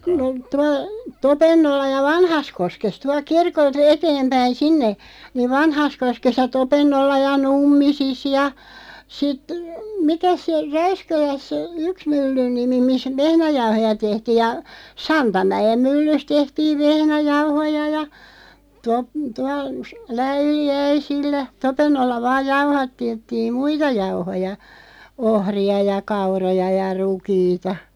no tuolla Topennolla ja Vanhassakoskessa tuolta kirkolta eteenpäin sinne niin Vanhassakoskessa ja Topennolla ja Nummisissa ja sitten mikäs se Räyskälässä yksi myllyn nimi missä vehnäjauhoja tehtiin ja Santamäen myllyssä tehtiin vehnäjauhoja ja - tuolla Läyliäisillä Topennolla vain jauhatettiin muita jauhoja ohria ja kauroja ja rukiita